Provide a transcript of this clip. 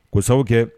Kosa kɛ